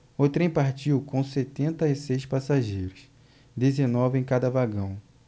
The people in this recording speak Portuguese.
o trem partiu com setenta e seis passageiros dezenove em cada vagão